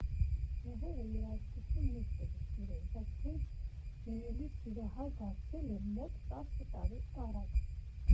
Մհերը երաժշտություն միշտ է սիրել, բայց հենց վինիլի սիրահար դարձել է մոտ տասը տարի առաջ։